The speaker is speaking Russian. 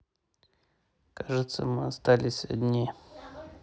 кажется мы остались одни